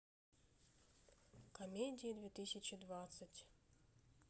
комедии две тысячи двадцать